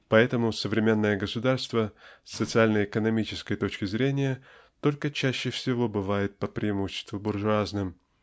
Поэтому современное государство с социально экономической точки зрения только чаще всего бывает по преимуществу буржуазным